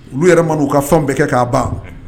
Olu yɛrɛ man'u ka fɛnw bɛɛ kɛ k'a ban